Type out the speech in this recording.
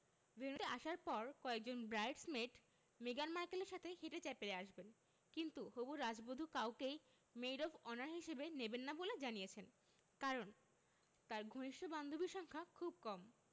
ভেন্যুতে আসার পর কয়েকজন ব্রাইডস মেড মেগান মার্কেলের সাথে হেঁটে চ্যাপেলে আসবেন কিন্তু হবু রাজবধূ কাউকেই মেড অব অনার হিসেবে নেবেন না বলে জানিয়েছেন কারণ তাঁর ঘনিষ্ঠ বান্ধবীর সংখ্যা খুব কম